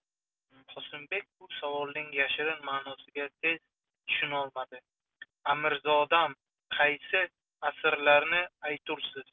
qosimbek bu savolning yashirin manosiga tezda tushunolmadi amirzodam qaysi asirlarni aytursiz